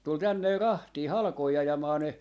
tuli tänne rahtia halkoja ajamaan ne